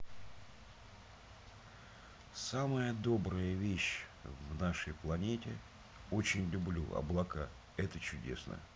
самая добрая вещь в нашей планете очень люблю облака это чудесно